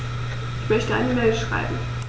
Ich möchte eine Mail schreiben.